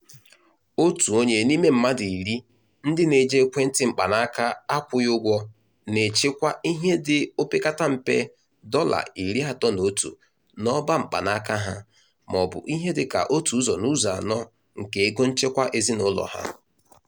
Otu onye n'ime mmadụ iri ndị na-eji ekwentị mkpanaaka akwụghị ụgwọ na-echekwa ihe dị opekata mpe $31 n'ọba mkpanaka ha, maọbụ ihe dịka otu ụzọ n'ụzọ anọ nke ego nchekwa ezinaụlọ ha.